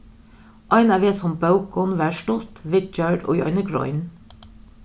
ein av hesum bókum varð stutt viðgjørd í eini grein